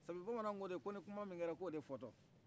sabu bamananw kote ko ni kuma min kɛra ko de fɔtɔ